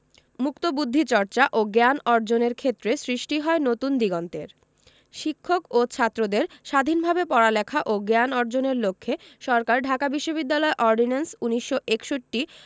মুক্তবুদ্ধি চর্চা ও জ্ঞান অর্জনের ক্ষেত্রে সৃষ্টি হয় নতুন দিগন্তের শিক্ষক ও ছাত্রদের স্বাধীনভাবে পড়ালেখা ও জ্ঞান অর্জনের লক্ষ্যে সরকার ঢাকা বিশ্ববিদ্যালয় অর্ডিন্যান্স ১৯৬১